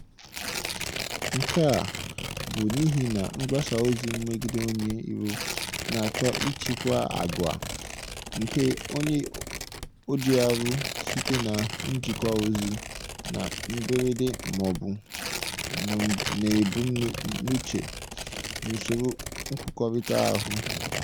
Nke a bụ n'ihi na mgbasa ozi mmegide onye iro "na-achọ ịchịkwa àgwà nke onye ojiarụ" site na "njikwa ozi na mberede ma ọ bụ n'ebumnuche na usoro nkwukọrịta ahụ".